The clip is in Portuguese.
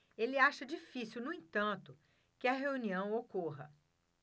ele acha difícil no entanto que a reunião ocorra